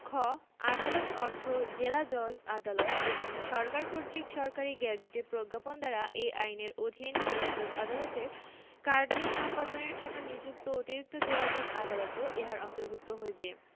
খ আদালত অর্থ জেলাজজ আদালত এবং সরকার কর্তৃক সরকারী গেজেটে প্রজ্ঞাপন দ্বারা এই আইনের অধীন জেলাজজ আদালতের কার্য সম্পাদনের জন্য নিযুক্ত অতিরিক্ত জেলাজজ আদালতও ইহার অন্তর্ভুক্ত হইবে